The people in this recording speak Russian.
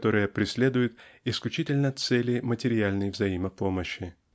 которые преследуют исключительно цели материальной взаимопомощи.